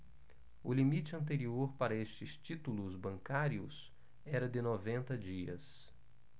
o limite anterior para estes títulos bancários era de noventa dias